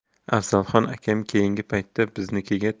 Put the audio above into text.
afzalxon akam keyingi paytda biznikiga